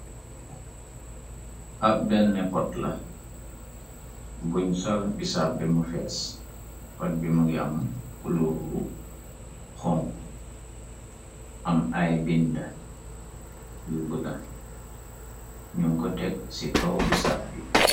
ab benn pot la buñ sol bisab bimu fees pot bimu yam kuluurwu xongu am ay binda yu bu la num ko teg ci kaw bisab bi